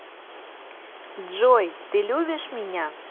джой ты любишь меня